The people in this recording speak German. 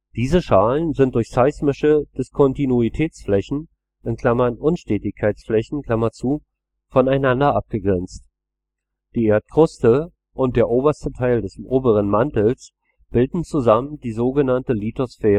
Diese Schalen sind durch seismische Diskontinuitätsflächen (Unstetigkeitsflächen) voneinander abgegrenzt. Die Erdkruste und der oberste Teil des oberen Mantels bilden zusammen die sogenannte Lithosphäre